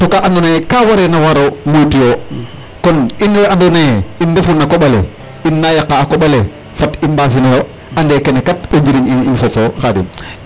Too ka andoona yee ka wareena moytuyo kon in we andoona yee in ndefu na koƥ ale i naa yaqaa a koƥ ale fat i mbaasinoyo ande kene kat o njiriñ in ino fop o Khadim .